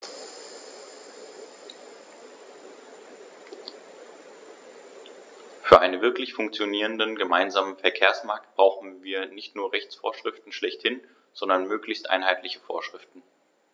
Für einen wirklich funktionierenden gemeinsamen Verkehrsmarkt brauchen wir nicht nur Rechtsvorschriften schlechthin, sondern möglichst einheitliche Vorschriften.